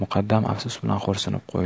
muqaddam afsus bilan xo'rsinib qo'ydi